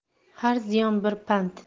har ziyon bir pand